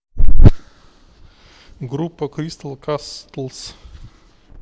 группа кристал кастлс